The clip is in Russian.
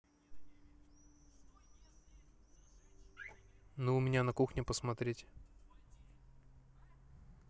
ну у меня на кухне посмотреть